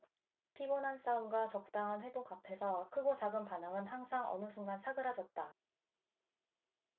피곤한 싸움과 적당한 회복 앞에서 크고 작은 반항은 항상 어느 순간 사그라졌다